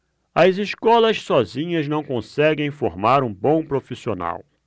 as escolas sozinhas não conseguem formar um bom profissional